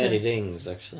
Fairy Rings acshyli.